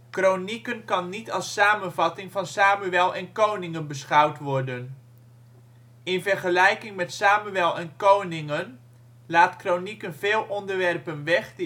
Kronieken kan niet als samenvatting van Samuel en Koningen beschouwd worden. In vergelijking met Samuel en Koningen laat Kronieken veel onderwerpen weg